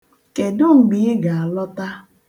Kedụ mgbe ị ga-alọta?